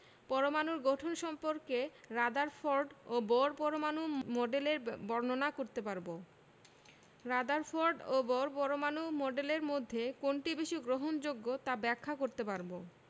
পরমাণুর গঠন সম্পর্কে রাদারফোর্ড ও বোর পরমাণু মডেলের বর্ণনা করতে পারব রাদারফোর্ড ও বোর পরমাণু মডেলের মধ্যে কোনটি বেশি গ্রহণযোগ্য তা ব্যাখ্যা করতে পারব